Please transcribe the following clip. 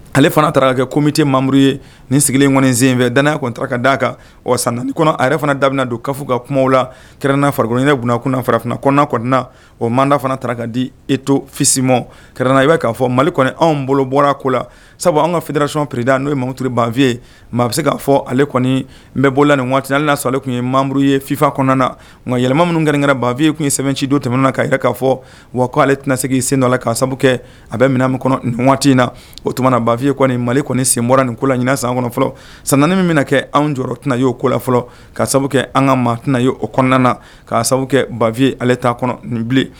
Ale fana taara kɛ kommite mamuru ye nin sigilen kɔni sen infɛ dan kɔnita ka d'a kan wa san kɔnɔ a yɛrɛ fana da don kaf ka kuma la kɛrɛnna farikoloke kunnakun farafinna kɔnɔna kɔnɔnana o manda fana taara ka di eto fisimo karɛnna i'a fɔ malik anw bolo bɔra ko la sabu an ka fɛdasicrida n'o ye mamri banfiye maa bɛ se kaa fɔ ale kɔni n bɛ bɔla nin waati'ale sa ale tun ye mamuru ye fifa kɔnɔna na nka yɛlɛma minnukɛrɛn kɛra bafiye tun yemci don tɛmɛnminɛɛna ka yɛrɛ k'a fɔ wa k' ale tɛnase senda la kaa sababu kɛ a bɛ minɛn min kɔnɔ nin waati in na o tuma na bafiye mali kɔni sen bɔra nin ko la ɲin san kɔnɔ fɔlɔ san min bɛna na kɛ anw jɔ tɛnaina y'o ko la fɔlɔ ka sababu kɛ an ka maa tɛnaina y' oo kɔnɔna na ka sababu kɛ bafiye ale t' kɔnɔ nin bilen